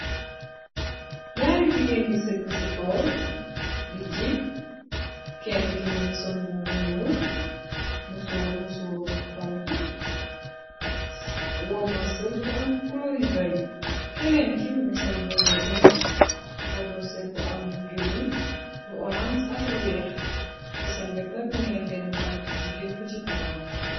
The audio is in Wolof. Ñaari jigéen yi sëgg ci tool di ji, kenn kimb ngi son bu bu ñuul, mu sooru musooru bu xon, wodo sër bu am cloribari, kenneen kimb ngi son buo bu pink, woddoo sër bu am lu girin, lu orange ak lu weex, ci seen wet nag, mu ngi ambeen xale bu jigéen bu ci taxaw.